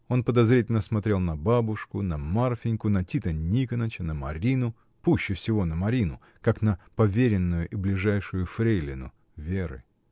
Он подозрительно смотрел на бабушку, на Марфиньку, на Тита Никоныча, на Марину, пуще всего на Марину, как на поверенную и ближайшую фрейлину Веры.